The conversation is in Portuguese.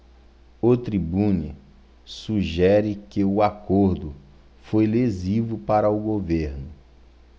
o tribune sugere que o acordo foi lesivo para o governo